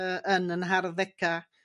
yy yn 'yn harddega